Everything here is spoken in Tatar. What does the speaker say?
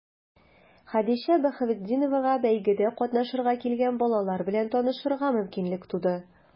Хәдичә Баһаветдиновага бәйгедә катнашырга килгән балалар белән танышырга мөмкинлек туды.